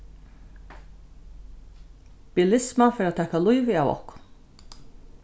bilisma fer at taka lívið av okkum